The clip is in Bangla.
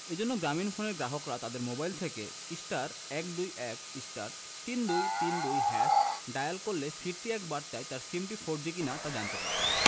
এ জন্য গ্রামীণফোনের গ্রাহকরা তাদের মোবাইল থেকে *১২১*৩২৩২# ডায়াল করলে ফিরতি এক বার্তায় তার সিমটি ফোরজি কিনা তা জানতে পারবেন